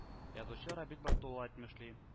Язучы Рабит Батулла әйтмешли